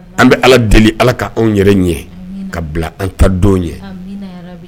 An bɛ allah deeli allah ka anw yɛrɛ ɲɛ ka bila an ta don ɲɛ